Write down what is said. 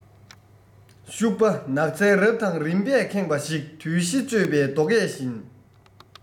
ཤུག པ ནགས ཚལ རབ དང རིམ པས ཁེངས པ ཞིག དུས བཞི གཅོད པའི རྡོ སྐས བཞིན